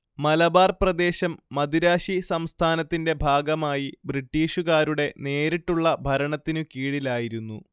മലബാർ പ്രദേശം മദിരാശി സംസ്ഥാനത്തിന്റെ ഭാഗമായി ബ്രിട്ടീഷുകാരുടെ നേരിട്ടുള്ള ഭരണത്തിനു കീഴിലായിരുന്നു